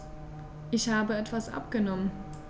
Ich habe etwas abgenommen.